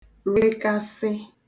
rekasị